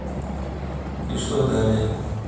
и что далее